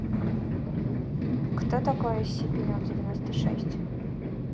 кто такой scp ноль девяносто шесть